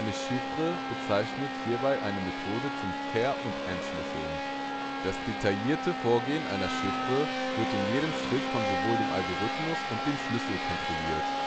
Chiffre bezeichnet hierbei eine Methode zum Ver - oder Entschlüsseln. Das detaillierte Vorgehen einer Chiffre wird in jedem Schritt von sowohl dem Algorithmus und dem Schlüssel kontrolliert